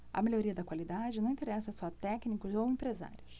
a melhoria da qualidade não interessa só a técnicos ou empresários